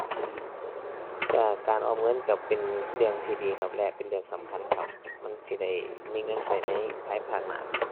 ก็ การออมเงินก็เป็นเรื่องที่ดีครับ และเป็นเรื่องสำคัญครับ มันสิได้มีเงินก็ในภายภาคหน้าครับ